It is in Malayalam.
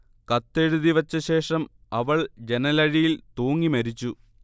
കത്തെഴുതി വച്ച ശേഷം അവൾ ജനലഴിയിൽ തൂങ്ങി മരിച്ചു